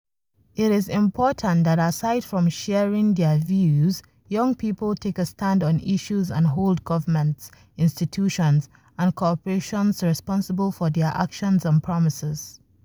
It is important that aside from sharing their views, young people take a stand on issues and hold governments, institutions, and corporations responsible for their actions and promises.